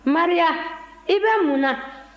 maria i bɛ mun na